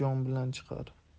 jon bilan chiqar